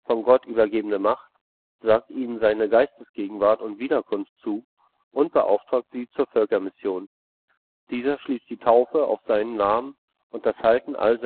Gott übergebene Macht, sagt ihnen seine Geistesgegenwart und Wiederkunft zu und beauftragt sie zur Völkermission. Dieser schließt die Taufe auf seinen Namen und das Halten all